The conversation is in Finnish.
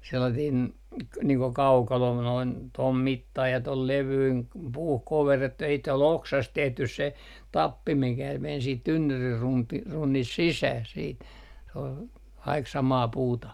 sellainen niin kuin kaukalo noin tuon mittainen ja tuon levyinen puuhun koverrettu ja sitten oli oksasta tehty se tappi mikä meni sitten tynnyrin - runnista sisään sitten se oli kaikki samaa puuta